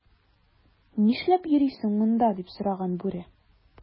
"нишләп йөрисең монда,” - дип сораган бүре.